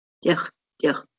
Diolch, diolch.